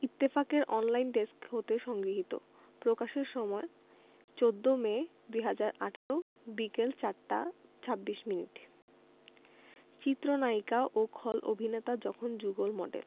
ইত্তেফাক এর online desk হতে সংগৃহীত প্রকাশের সময় ১৪মে ২০১৮ বিকেল ৪টা ২৬ মিনিট চিত্রনায়িকা ও খল অভিনেতা যখন যুগল মডেল